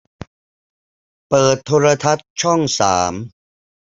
เปิดโทรทัศน์ช่องสาม